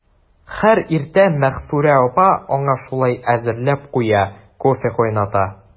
Һәр иртә Мәгъфүрә апа аңа шулай әзерләп куя, кофе кайната.